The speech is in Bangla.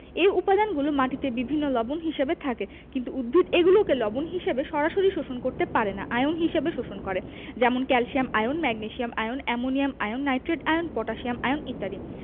এ উপাদানগুলো মাটিতে বিভিন্ন লবণ হিসেবে থাকে কিন্তু উদ্ভিদ এগুলোকে লবণ হিসেবে সরাসরি শোষণ করতে পারে না আয়ন হিসেবে শোষণ করে যেমন calcium ion magnesium ion ammonium ion nitrate ion potassium ion ইত্যাদি